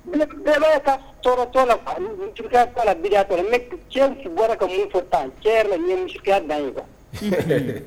Ka tɔɔrɔtɔ la bi cɛ bɔra ka fɔ tan cɛya dan kan